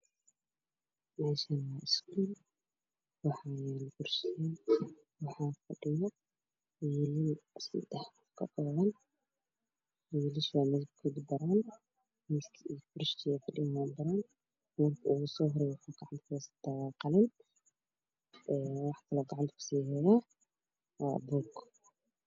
Meshan waa iskul waxaa yaala kursiyaal waxaa fadhiyo wiilal sadax ka padan walishaan midapkoodu paroon aha kan usoo horeeyo waxuu gacta ku hestaa qalin waxa kaluu gacanta ku sii heyaa buug